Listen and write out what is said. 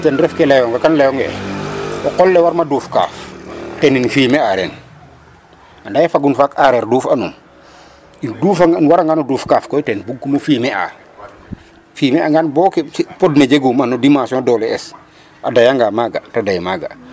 Ten ref ke layonga kan layong ee o qol le warma duuf kaaf ten fumier a ren anda ye fagum faak a aareer duufanum, um dufangaan um warangaan o duuf kaaf koy ten bugum o fumier a fumier angan bo podne jeguma no dimension doole'es a dayanga maga ta dey maaga.